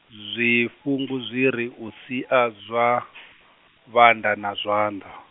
zwifhungu zwiri u sia zwa , vhanda na zwanḓa.